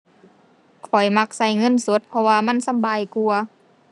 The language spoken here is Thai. ข้อยมักใช้เงินสด เพราะว่ามันสำบายกว่า